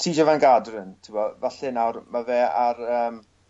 Tejay van Garderen t'no' falle nawr ma' fe ar yym